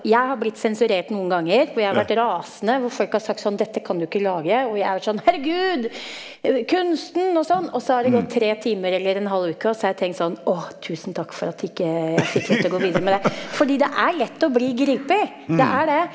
jeg har blitt sensurert noen ganger hvor jeg har vært rasende, hvor folk har sagt sånn dette kan du ikke lage, og jeg er sånn herregud kunsten og sånn, også har det gått tre timer eller en halv uke også har jeg tenkt sånn å tusen takk for at jeg ikke fikk lov til å gå videre med det, fordi det er lett å bli grepet, det er det.